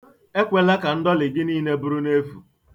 Ekwela ka ndọlị gị niile bụrụ n'efu.